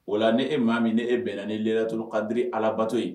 O la ,ni e maa min, ni e bɛnna ni layilaulkadri alabato ye